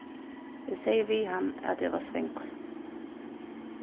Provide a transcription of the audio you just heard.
eg segði við hann at eg var svangur